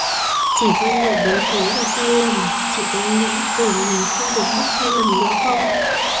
trải qua nhiều biến cố và sai lầm chị có nghĩ giờ mình không được mắc sai lầm nữa không